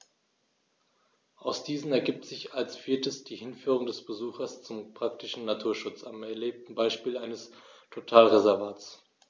Aus diesen ergibt sich als viertes die Hinführung des Besuchers zum praktischen Naturschutz am erlebten Beispiel eines Totalreservats.